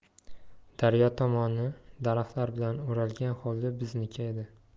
daryo tomoni daraxtlar bilan o'ralgan hovli bizniki edi